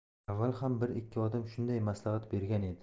avval ham bir ikki odam shunday maslahat bergan edi